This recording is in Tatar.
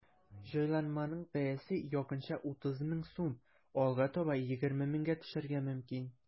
Җайланманың бәясе якынча 30 мең сум, алга таба 20 меңгә төшәргә мөмкин.